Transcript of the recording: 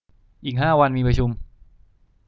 อีกห้าวันมีประชุม